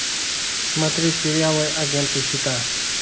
смотреть сериалы агенты щита